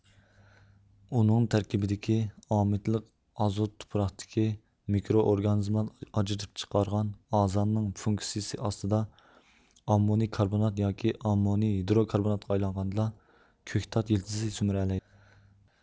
ئۇنىڭ تەركىبىدىكى ئامىدلىق ئازوت تۇپراقتىكى مىكرو ئورگانىزىملار ئاجرىتىپ چىقارغان ئازاننىڭ فۇنكسىيىسى ئاستىدا ئاممونىي كاربونات ياكى ئاممونىي ھىدرو كاربوناتقا ئايلانغاندىلا كۆكتات يىلتىزى سۈمۈرەلەيدۇ